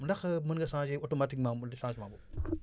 ndax mën nga changé automatiquement mën def changement boobu